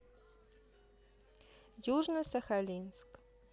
южно сахалинск